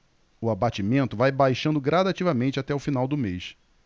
o abatimento vai baixando gradativamente até o final do mês